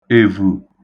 èvù